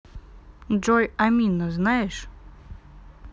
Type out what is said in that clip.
джой амина знаешь